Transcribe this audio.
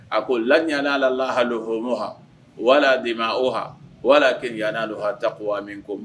A ko .